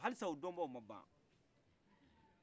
alisa o dɔn baw ma ban